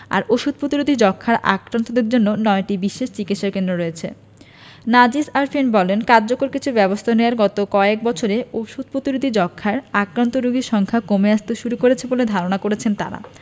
আর ওষুধ প্রতিরোধী যক্ষ্মায় আক্রান্তদের জন্য ৯টি বিশেষ চিকিৎসাকেন্দ্র রয়েছে নাজিস আরেফিন বলেন কার্যকর কিছু ব্যবস্থা নেয়ায় গত কয়েক বছরে ওষুধ প্রতিরোধী যক্ষ্মায় আক্রান্ত রোগীর সংখ্যা কমে আসতে শুরু করেছে বলে ধারণা করছেন তারা